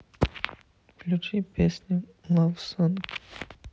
включи песню лав сонг